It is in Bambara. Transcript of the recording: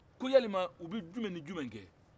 ko yaali u bɛ jumɛn ni jumɛn kɛ